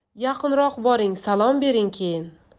yaqinroq boring salom bering keyin